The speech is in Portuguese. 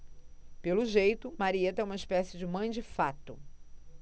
pelo jeito marieta é uma espécie de mãe de fato